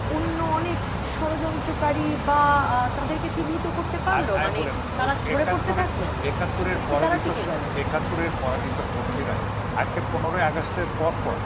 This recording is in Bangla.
অন্য অনেক ষড়যন্ত্রকারী বা তাদেরকে চিহ্নিত করতে পারল আমি বলি আমি বলি তারা কি ঝরে পড়তে থাকলো একাত্তরের পরে নাকি তারা টিকে গেল একাত্তরের পরাজিত শক্তি রাই আজকে ১৫ ই আগস্ট এর পর পর